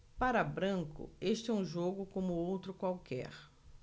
para branco este é um jogo como outro qualquer